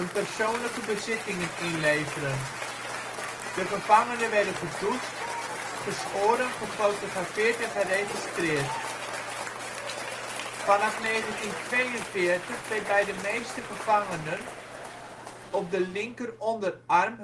persoonlijke bezittingen inleveren. De gevangenen werden gedoucht, geschoren, gefotografeerd en geregistreerd. Vanaf 1942 werd bij de meeste gevangenen op de linker onderarm